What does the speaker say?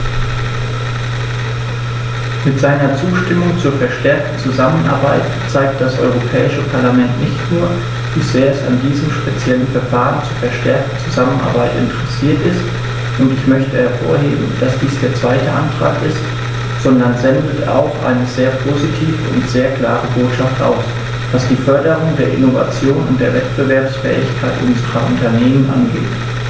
Mit seiner Zustimmung zur verstärkten Zusammenarbeit zeigt das Europäische Parlament nicht nur, wie sehr es an diesem speziellen Verfahren zur verstärkten Zusammenarbeit interessiert ist - und ich möchte hervorheben, dass dies der zweite Antrag ist -, sondern sendet auch eine sehr positive und sehr klare Botschaft aus, was die Förderung der Innovation und der Wettbewerbsfähigkeit unserer Unternehmen angeht.